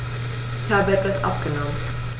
Ich habe etwas abgenommen.